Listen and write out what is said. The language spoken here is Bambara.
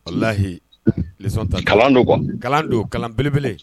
Walahisɔnta kalan don kalan don kalan belebele